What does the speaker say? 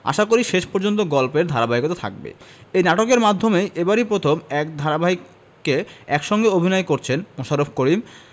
আশাকরি শেষ পর্যন্ত গল্পের ধারাবাহিকতা থাকবে এ নাটকের মাধ্যমেই এবারই প্রথম এক ধারাবাহিকে একসঙ্গে অভিনয় করছেন মোশাররফ করিম